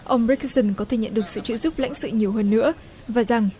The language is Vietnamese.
ông rách cơ sừn có thể nhận được sự trợ giúp lãnh sự nhiều hơn nữa và rằng